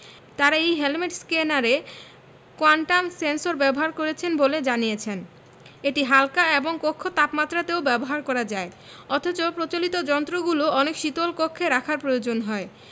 তারা এই হেলমেট স্ক্যানারে কোয়ান্টাম সেন্সর ব্যবহার করেছেন বলে জানিয়েছেন এটি হাল্কা এবং কক্ষ তাপমাত্রাতেও ব্যবহার করা যায় অথচ প্রচলিত যন্ত্রগুলো অনেক শীতল কক্ষে রাখার প্রয়োজন হয়